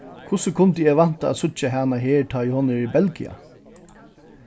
hvussu kundi eg vænta at síggja hana her tá ið hon er í belgia